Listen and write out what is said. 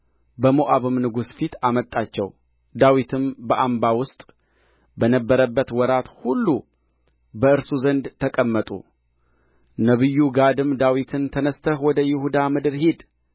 በሞዓብም ንጉሥ ፊት አመጣቸው ዳዊትም በአምባ ውስጥ በነበረበት ወራት ሁሉ በእርሱ ዘንድ ተቀመጡ ነቢዩ ጋድም ዳዊትን ተነሥተህ ወደ ይሁዳ ምድር ሂድ